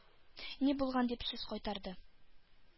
-ни булган?-дип сүз кайтарды.